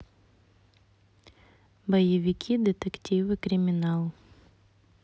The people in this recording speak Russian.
боевики детективы криминал